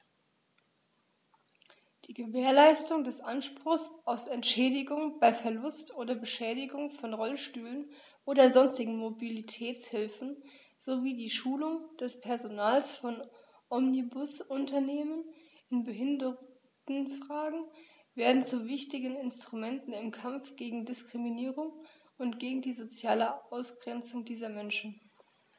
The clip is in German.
Die Gewährleistung des Anspruchs auf Entschädigung bei Verlust oder Beschädigung von Rollstühlen oder sonstigen Mobilitätshilfen sowie die Schulung des Personals von Omnibusunternehmen in Behindertenfragen werden zu wichtigen Instrumenten im Kampf gegen Diskriminierung und gegen die soziale Ausgrenzung dieser Menschen.